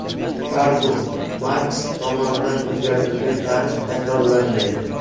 karl marks tomonidan o'zgartirilgan tarix takrorlanmaydi